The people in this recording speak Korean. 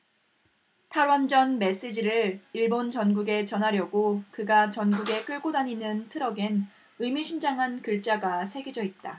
탈원전 메시지를 일본 전국에 전하려고 그가 전국에 끌고 다니는 트럭엔 의미심장한 글자가 새겨져 있다